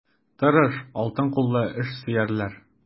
Тырыш, алтын куллы эшсөярләр.